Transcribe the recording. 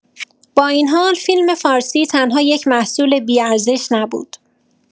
با این حال فیلم‌فارسی تنها یک محصول بی‌ارزش نبود.